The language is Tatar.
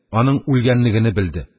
, аның үлгәнене белде.